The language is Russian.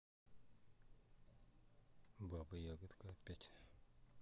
баба ягодка опять